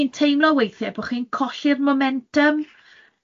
...chi'n teimlo weithiau bo' chi'n colli'r momentum.